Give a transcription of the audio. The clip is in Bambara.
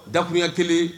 Da kuruɲɛ kelen.